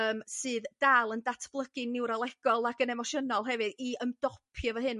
yym sydd dal yn datblygu niwrolegol ac yn emosiynol hefyd i ymdopi 'fo hyn